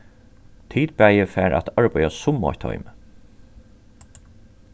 tit bæði fara at arbeiða sum eitt toymi